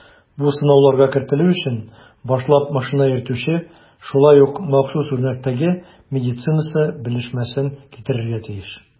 Бу сынауларга кертелү өчен башлап машина йөртүче шулай ук махсус үрнәктәге медицинасы белешмәсен китерергә тиеш.